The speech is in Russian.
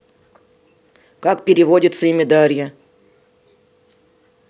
как переводится имя дарья